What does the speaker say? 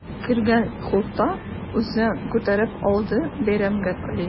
Кергән хутка үзен күтәреп алды Бәйрәмгали.